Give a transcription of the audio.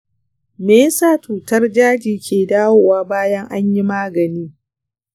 me yasa cutar daji ke dawowa bayan an yi magani?